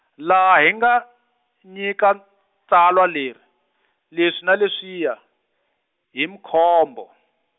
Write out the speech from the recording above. laha hi nga, nyika , tsalwa leri, leswi na leswiya, hi Mkhombo.